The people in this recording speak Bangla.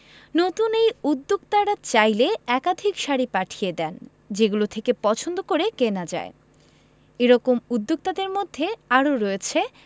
নতুন এই উদ্যোক্তারা চাইলে একাধিক শাড়ি পাঠিয়ে দেন যেগুলো থেকে পছন্দ করে কেনা যায় এ রকম উদ্যোক্তাদের মধ্যে আরও রয়েছে